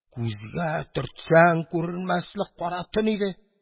Күзгә төртсәң күренмәслек кара төн иде.